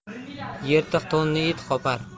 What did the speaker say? yirtiq to'nni it qopar